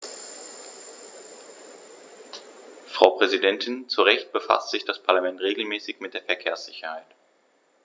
Frau Präsidentin, zu Recht befasst sich das Parlament regelmäßig mit der Verkehrssicherheit.